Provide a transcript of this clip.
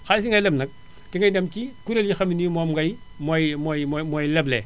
xaalis yi ngay leb nag ci ngay dem ci kuréel yi nga xam ne nii moom ngay mooy mooy mooy mooy leble